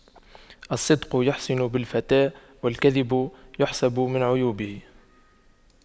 الصدق يحسن بالفتى والكذب يحسب من عيوبه